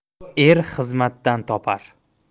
er xizmatdan topar